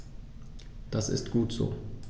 Das ist gut so.